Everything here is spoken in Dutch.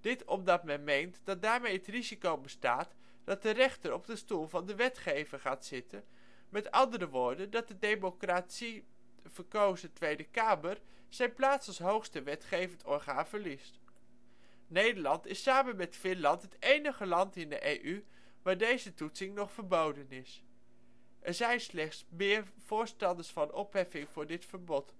Dit omdat men meent dat daarmee het risico bestaat dat de rechter op de stoel van de wetgever gaat zitten, met andere woorden, dat de democratische verkozen Tweede Kamer zijn plaats als hoogste wetgevend orgaan verliest. Nederland is samen met Finland het enige land in de EU waar deze toetsing nog verboden is. Er zijn steeds meer voorstanders van opheffing van dit verbod